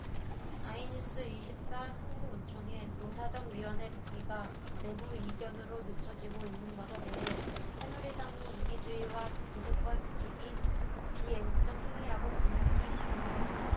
아이뉴스 이십 사 한국노총의 노사정위원회 복귀가 내부 이견으로 늦춰지고 있는 것에 대해 새누리당이 이기주의와 기득권 지키기 비애국적 행위라고 강력히 경고했다